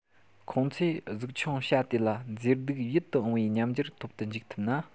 ཁོང ཚོས གཟུགས ཆུང བྱ དེ ལ མཛེས སྡུག ཡིད དུ འོངས པའི ཉམས འགྱུར ཐོབ དུ འཇུག ཐུབ ན